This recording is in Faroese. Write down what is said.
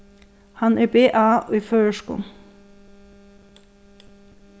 hann er ba í føroyskum